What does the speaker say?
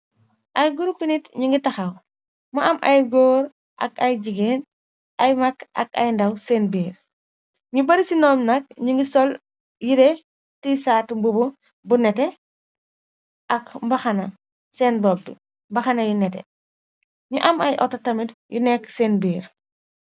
Ay groupi nit ñu ngi tahaw, mu am ay góor ak ay jigéen ay makk ak ay ndaw seen biir. Ñu bari ci noom nag ñu ngi sol yiré tisaatu mbubu bu nete ak mbahana seen bopp bi mbahana yu nete. Ñu am ay auto tamit yu nekk seen biir.